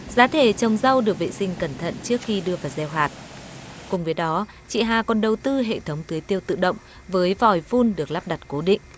giá thể trồng rau được vệ sinh cẩn thận trước khi đưa vào gieo hạt cùng với đó chị hà còn đầu tư hệ thống tưới tiêu tự động với vòi phun được lắp đặt cố định